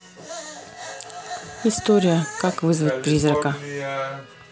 история как вызвать призрака